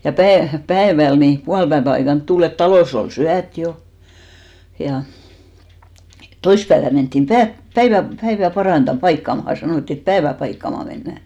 ja - päivällä niin puolipäivän aikaan tuli että talossa oli syöty jo ja toissapäivänä mentiin - päivää päivää - paikkaamaan sanottiin että päivää paikkaamaan mennään